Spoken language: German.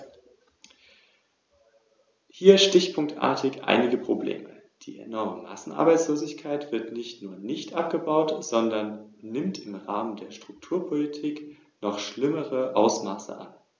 Deshalb möchte ich auf einige Probleme aufmerksam machen, denen sich die Kommission vorrangig widmen sollte.